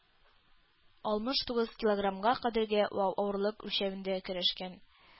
Алмыш тугыз килограммга кадәрге авырлык үлчәвендә көрәшкән.